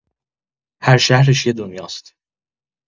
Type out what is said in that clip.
هر شهرش یه دنیاست.